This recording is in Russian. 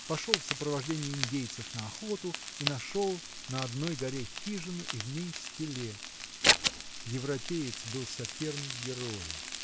пошел в сопровождении индейцев на охоту и нашел на одной горе хижину и в ней скелет. Европеец был соперник героя.